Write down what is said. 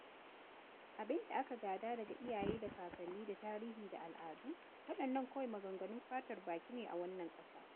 Abin da aka gada daga iyaye da kakanni da tarihi da al'adu, waɗannan kawai maganganun fatar baka ne a wannan ƙasa!